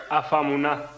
a faamuna